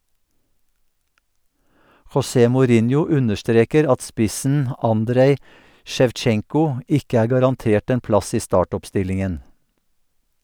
José Mourinho understreker at spissen Andrej Sjevtsjenko ikke er garantert en plass i startoppstillingen.